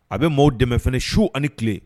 A bɛ maaw dɛmɛ su ani tile